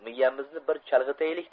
miyamizni bir chalg'itaylik